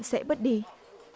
sẽ bớt đi